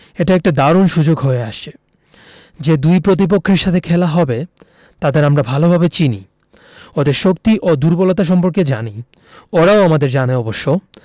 এটা একটা দারুণ সুযোগ হয়ে আসছে যে দুই প্রতিপক্ষের সঙ্গে খেলা হবে তাদের আমরা ভালোভাবে চিনি ওদের শক্তি ও দুর্বলতা সম্পর্কে জানি ওরাও আমাদের জানে অবশ্য